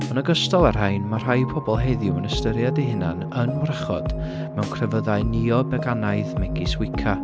Yn ogystal â'r rhain, mae rhai pobl heddiw yn ystyried eu hunain yn wrachod mewn crefyddau neo-begannaidd megis Wicca.